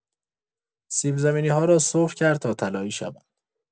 سیب‌زمینی‌ها را سرخ کرد تا طلایی شوند.